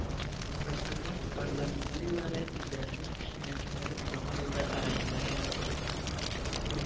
Татарстан парламентарийлары үзләренең эш юнәлешләрен яңа елда тәгаенләргә мөмкин